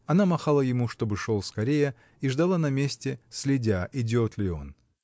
Она махала ему, чтобы шел скорее, и ждала на месте, следя, идет ли он.